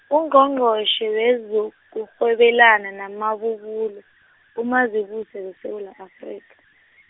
Ungqongqotjhe wezokurhwebelana namabubulo, uMazibuse weSewula Afrika.